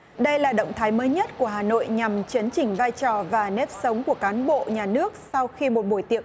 đây là động thái mới nhất của hà nội nhằm chấn chỉnh vai trò và nếp sống của cán bộ nhà nước sau khi một buổi tiệc